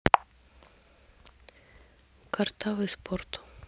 картавый спорт